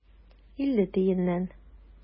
Илле тиеннән.